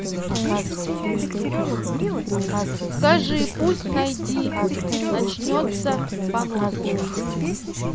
скажи пусть найди начнется понос